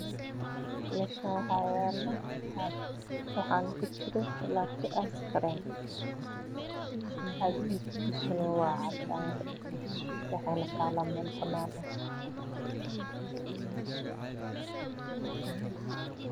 me Shan waxa yalo caag waxana kujiro jalato asqarin caga me Deb kisua wa cadan waxey na taala mel ba Nan eh